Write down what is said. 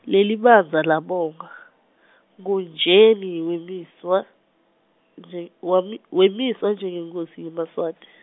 lelibandla labonga , Nkhotfotjeni wemiswa, nje wami- wemiswa njengenkhosi yemaSwati.